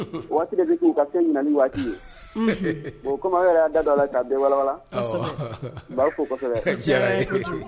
Waatikɛ bɛ k'u ka fɛn minɛ ni waati ye o kuma y'a dada la k'awawa ka'